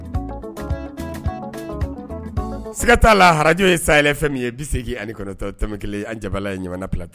Siga t'a la araj ye sayay fɛn min ye bi se ani kɔnɔtɔ tɛmɛn kelen an jabala ye jamana pata